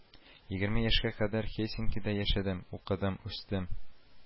Егерме яшькә кадәр һельсинкида яшәдем, укыдым, үстем